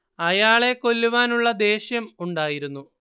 അയാളെ കൊല്ലുവാൻ ഉള്ള ദേഷ്യം ഉണ്ടായിരുന്നു